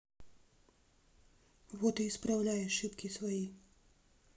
вот и исправляй ошибки свои